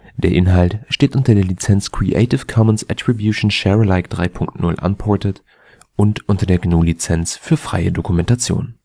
Inhalt steht unter der Lizenz Creative Commons Attribution Share Alike 3 Punkt 0 Unported und unter der GNU Lizenz für freie Dokumentation